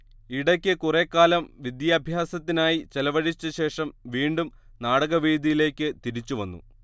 ഇടയ്ക്ക് കുറേക്കാലം വിദ്യാഭ്യാസത്തിനായി ചെലവഴിച്ചശേഷം വീണ്ടും നാടകവേദിയിലേക്ക് തിരിച്ചുവന്നു